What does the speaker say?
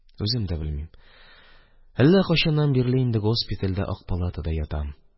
Үзем дә белмим, әллә кайчаннан бирле инде госпитальдә, ак палатада ятам.